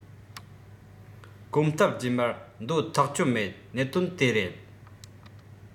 གོམ སྟབས རྗེས མར འདོད ཐག ཆོད མེད གནད དོན དེ རེད